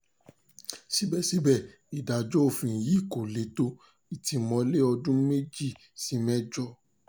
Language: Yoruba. Síbẹ̀síbẹ̀, ìdájọ́ òfin yìí kò le tó, ìtìmọ́lé ọdún méjì sí mẹ́jọ.